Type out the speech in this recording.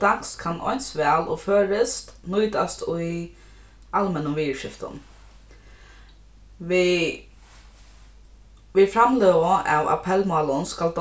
danskt kann eins væl og føroyskt nýtast í almennum viðurskiftum við við framløgu av appelmálum skal